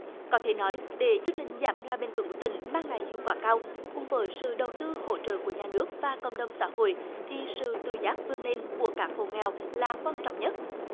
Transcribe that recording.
có thể nói để chương trình giảm nghèo bền vững của tỉnh mang lại hiệu quả cao cùng với sự đầu tư hỗ trợ của nhà nước và cộng đồng xã hội thì sự tự giác vươn lên của các hộ nghèo là quan trọng nhất